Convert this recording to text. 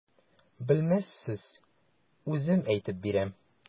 Белмәссез, үзем әйтеп бирәм.